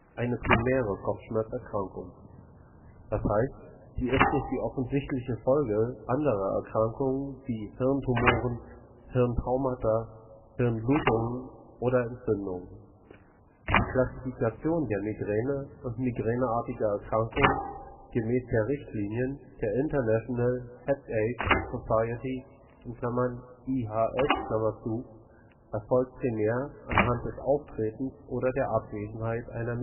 eine primäre Kopfschmerzerkrankung. Das heißt, sie ist nicht die offensichtliche Folge anderer Erkrankungen wie Hirntumoren, Hirntraumata, Hirnblutungen oder Entzündungen. Die Klassifikation der Migräne und migräneartiger Erkrankungen gemäß der Richtlinien der International Headache Society (IHS) erfolgt primär anhand des Auftretens oder der Abwesenheit einer